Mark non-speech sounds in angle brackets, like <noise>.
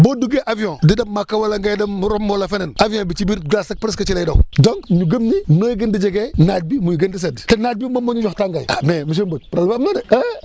boo duggee avion di dem Màkka wala ngay dem Rome wala feneen avion bi ci biir glace rek presque ci lay daw <noise> donc ñu gëm ni nooy gën di jegee naaj bi muy gën di sedd te naaj bi moom moo ñuy jox tàngaay ah mais monsieur Mbodj problème am na de ah